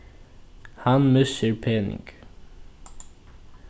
hann missir pening